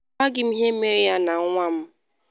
Amaghị m ihe mere ya na nwa m.